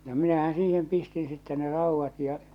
no minähän siihen pistin sitten ne raudat ja